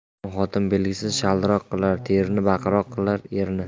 yomon xotin belgisi shaldiroq qilar terini baqiroq qilar erini